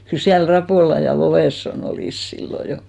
kyllä siellä Rapola ja Lovensson olivat silloin jo